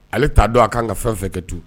Ale t'a dɔn a ka kan ka fɛn fɛn kɛ to